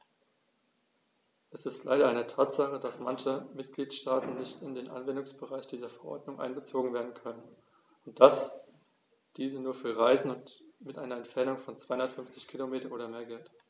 Es ist leider eine Tatsache, dass manche Mitgliedstaaten nicht in den Anwendungsbereich dieser Verordnung einbezogen werden können und dass diese nur für Reisen mit einer Entfernung von 250 km oder mehr gilt.